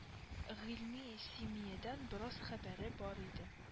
Гыйльми симиядән бераз хәбәре бар иде